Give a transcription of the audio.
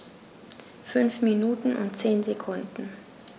5 Minuten und 10 Sekunden